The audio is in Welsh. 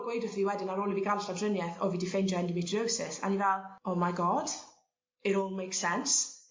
...gweud wrth fi wedyn ar ôl i fi ga'l llawdrinieth o' fi 'di ffeindio endometriosis a o'n i fel oh my god ir all makes sense.